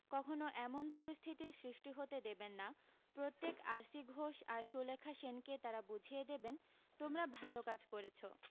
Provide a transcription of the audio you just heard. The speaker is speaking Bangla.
কখনো এমন পরিস্থিতির সৃষ্টি হতে দেবেন না প্রত্যেক আর সি ঘোষ আর সুলেখা সেনকে তারা বুঝিয়ে দেবেন তোমরা ভালো কাজ করেছ